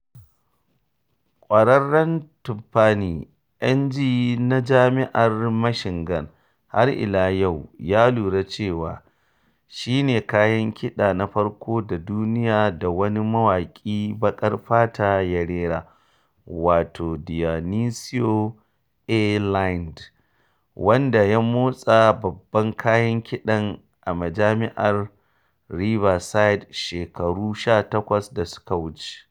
Kwararren, Tiffany Ng na Jami’ar Michigan, har ila yau ya lura cewa shi ne kayan kiɗa na farko a duniya da wani mawaki baƙar fata ya rera, wato Dionisio A. Lind, wanda ya motsa babban kayan kiɗan a Majami’ar Riverside shekaru 18 da suka wuce.